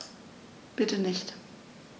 Bitte nicht.